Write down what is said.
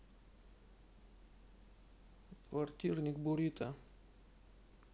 квартирник бурито